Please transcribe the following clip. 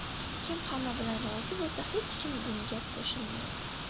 kim hamma bilan rozi bo'lsa hech kim bunga qo'shilmaydi